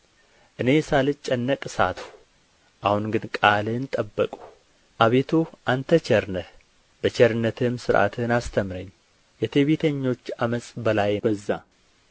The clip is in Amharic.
እኔ ሳልጨነቅ ሳትሁ አሁን ግን ቃልህን ጠበቅሁ አቤቱ አንተ ቸር ነህ በቸርነትህም ሥርዓትህን አስተምረኝ የትዕቢተኞች ዓመፅ በላዬ በዛ